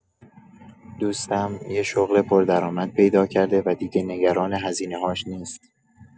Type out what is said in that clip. دوستم یه شغل پردرآمد پیدا کرده و دیگه نگران هزینه‌هاش نیست.